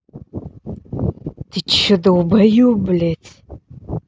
ты че долбоеб блядь